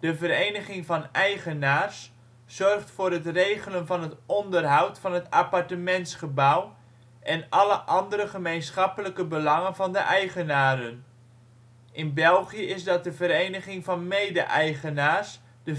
De vereniging van eigenaars zorgt voor het regelen van het onderhoud van het appartementsgebouw en alle andere gemeenschappelijke belangen van de eigenaren. In België is dat de Vereniging van Mede-eigenaars (VME) De